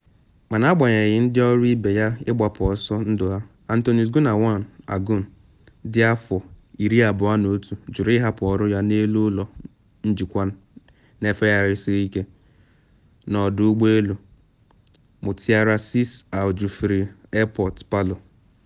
Mana agbanyeghị ndị ọrụ ibe ya ịgbapụ ọsọ ndụ ha, Anthonius Gunawang Agung dị afọ 21 juru ịhapụ ọrụ ya n’elu ụlọ njikwa na efegharịsị ike n’ọdụ ụgbọ elu Mutiara Sis Al Jufri Airport Palu.